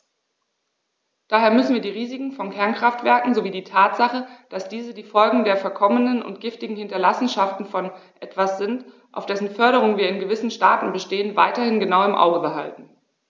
Daher müssen wir die Risiken von Kernkraftwerken sowie die Tatsache, dass diese die Folgen der verkommenen und giftigen Hinterlassenschaften von etwas sind, auf dessen Förderung wir in gewissen Staaten bestehen, weiterhin genau im Auge behalten.